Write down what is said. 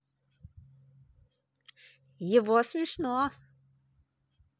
его смешно